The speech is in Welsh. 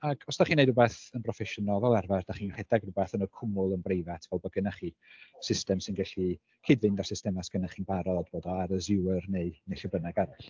Ac os dach chi'n wneud rhywbeth yn broffesiynol fel arfer dach chi'n rhedeg rhywbeth yn y cwmwl yn breifat fel bod gynno chi system sy'n gallu cyd-fynd â systemau sy gynno chi'n barod fod o ar Azure neu lle bynnag arall.